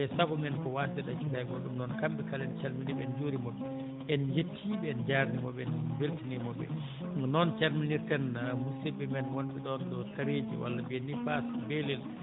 te sago men ko waasde ɗaccude hay gooto ɗum noon kamɓe kala en calminii ɓe en njuuriima ɓe en njettiiɓe en jaarniima ɓe en mbeltaniima ɓe noon calminirten musidɓe men wonɓe ɗoon ɗo Taareji walla mbiyen ni Face Belel